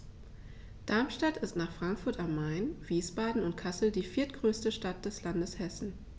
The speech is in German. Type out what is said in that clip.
Darmstadt ist nach Frankfurt am Main, Wiesbaden und Kassel die viertgrößte Stadt des Landes Hessen